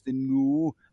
'dyn n'w